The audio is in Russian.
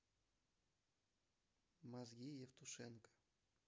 мозги евтушенко